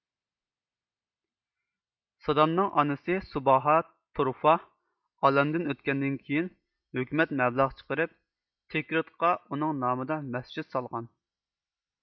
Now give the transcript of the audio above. سادامنىڭ ئانىسى سۇباھا تورفاھ ئالەمدىن ئۆتكەندىن كىيىن ھۆكۈمەت مەبلەغ چىقىرىپ تىكرىتقا ئۇنىڭ نامىدا مەسچىت سالغان